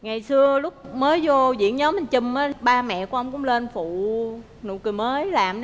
ngày xưa lúc mới vô diễn nhóm anh chung á ba mẹ của ông cũng lên phụ nụ cười mới làm